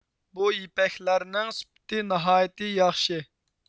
بۇ يىپەكلەرنىڭ سۈپىتى ناھايىتى ياخشى